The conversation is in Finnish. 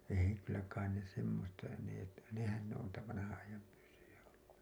ei kyllä kai ne semmoista ne nehän ne on niitä vanhan ajan pyssyjä ollut